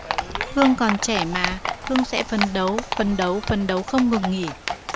hương còn trẻ mà hương sẽ phấn đấu phấn đấu phấn đấu không ngừng nghỉ